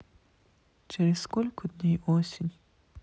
через сколько дней осень